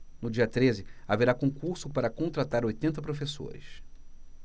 no dia treze haverá concurso para contratar oitenta professores